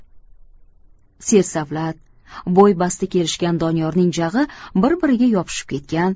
sersavlat bo'y basti kelishgan doniyorning jag'i bir biriga yopishib ketgan